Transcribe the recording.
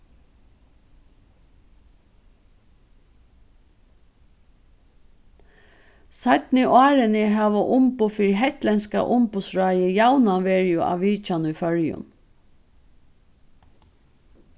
seinnu árini hava umboð fyri hetlendska umboðsráðið javnan verið á vitjan í føroyum